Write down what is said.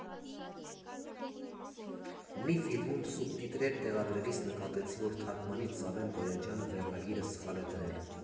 Մի ֆիլմում սուբտիտրեր տեղադրելիս նկատեցի, որ թարգմանիչ Զավեն Բոյաջյանը վերնագիրը սխալ է դրել։